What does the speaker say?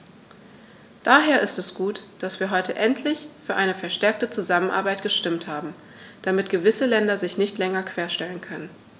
Daher ist es gut, dass wir heute endlich für eine verstärkte Zusammenarbeit gestimmt haben, damit gewisse Länder sich nicht länger querstellen können.